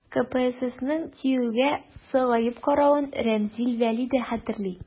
КПССның ТИҮгә сагаеп каравын Римзил Вәли дә хәтерли.